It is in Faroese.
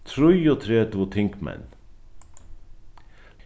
trýogtretivu tingmenn